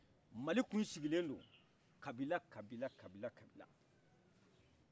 mali tun sigilendo kabila kabila kabila kabila